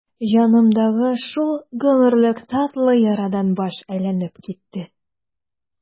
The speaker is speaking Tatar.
Җанымдагы шул гомерлек татлы ярадан баш әйләнеп китте.